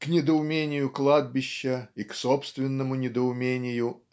к недоумению кладбища и к собственному недоумению